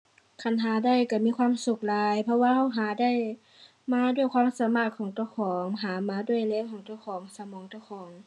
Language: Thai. คันหาได้ก็มีความสุขหลาย เพราะว่าก็หาได้มาด้วยความสามารถของเจ้าของ หามาด้วยแรงของเจ้าของ สมองเจ้าของ